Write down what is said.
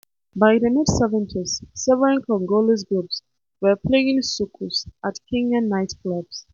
By the mid-seventies, several Congolese groups were playing soukous at Kenyan nightclubs.